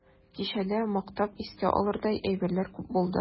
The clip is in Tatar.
Кичәдә мактап искә алырдай әйберләр күп булды.